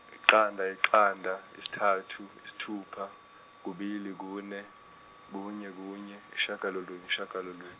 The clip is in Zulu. iqanda iqanda isthathu isithupha kubili kune, kunye kunye isishagalolunye isishagalolu-.